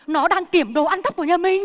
nó đang kiểm đồ ăn thóc của nhà mình